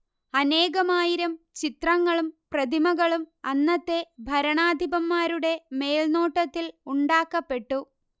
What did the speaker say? അനേകമായിരം ചിത്രങ്ങളും പ്രതിമകളും അന്നത്തെ ഭരണാധിപന്മാരുടെ മേൽനോട്ടത്തിൽ ഉണ്ടാക്കപ്പെട്ടു